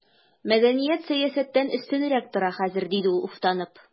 Мәдәният сәясәттән өстенрәк тора хәзер, диде ул уфтанып.